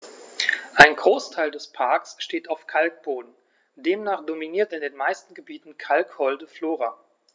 Ein Großteil des Parks steht auf Kalkboden, demnach dominiert in den meisten Gebieten kalkholde Flora.